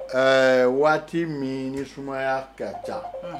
Ɛɛ waati min ni sumaya ka ca